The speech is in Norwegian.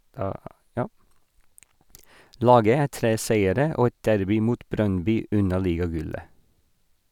Laget er tre seire og et derby mot Brøndby unna ligagullet.